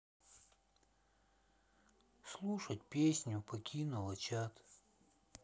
слушать песню покинула чат